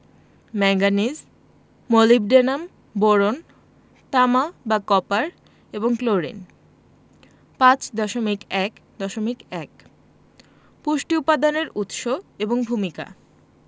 manganese molybdenum boron তামা বা copper এবং ক্লোরিন ৫.১.১ পুষ্টি উপাদানের উৎস এবং ভূমিকা